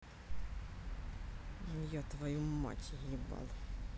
я твою мать ебал